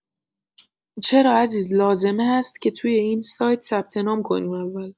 چرا عزیز لازمه هست که توی این سایت ثبت‌نام کنیم اول